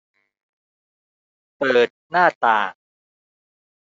เปิดหน้าต่าง